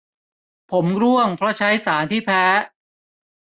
ผมร่วงเพราะใช้สารที่แพ้